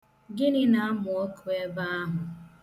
Gịnị na-amụ ọkụ ebe ahụ?